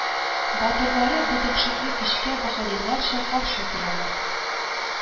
Батырлары бу дәһшәтле көчкә баһадирларча каршы торалар